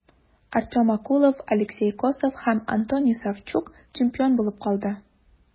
Артем Окулов, Алексей Косов һәм Антоний Савчук чемпион булып калды.